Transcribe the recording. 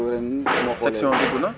parce que ren su ma